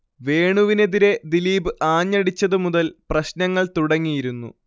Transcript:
വേണുവിനെതിരെ ദിലീപ് ആഞ്ഞടിച്ചതു മുതൽ പ്രശ്നങ്ങൾ തുടങ്ങിയിരുന്നു